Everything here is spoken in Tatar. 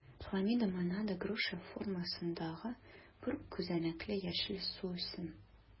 Хламидомонада - груша формасындагы бер күзәнәкле яшел суүсем.